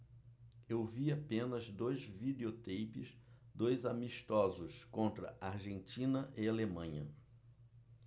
eu vi apenas dois videoteipes dos amistosos contra argentina e alemanha